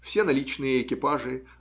Все наличные экипажи